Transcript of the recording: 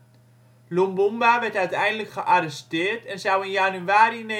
werd uiteindelijk gearresteerd en zou in januari 1961